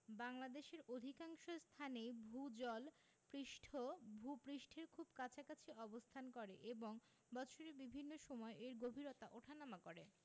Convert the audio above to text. বাংলাদেশের অধিকাংশ স্থানেই ভূ জল পৃষ্ঠ ভূ পৃষ্ঠের খুব কাছাকাছি অবস্থান করে এবং বৎসরের বিভিন্ন সময় এর গভীরতা উঠানামা করে